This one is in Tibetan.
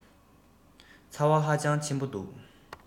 ཚ བ ཧ ཅང ཆེན པོ འདུག